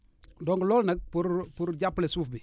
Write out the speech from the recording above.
donc loolu nag pour pour jàppale suuf bi